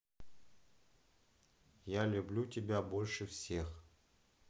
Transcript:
я люблю тебя больше всех